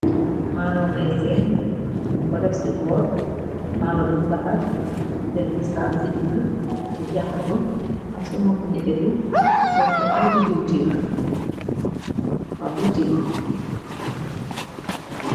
Maalo ngay seen ñug ko def ci bowl. Maalo buñ baxal def bisaap ci digg, ak jaxatu ak sungufi netetu, def fa tuuti diwtiir, wa futii.